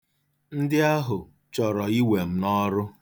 Ndị ahụ chọrọ iwe m n'ọrụ.